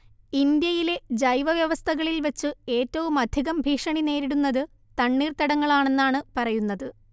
ഇന്ത്യയിലെ ജൈവവ്യവസ്ഥകളിൽ വെച്ച് ഏറ്റവുമധികം ഭീഷണിനേരിടുന്നത് തണ്ണീർതടങ്ങളാണെന്നാണ് പറയുന്നത്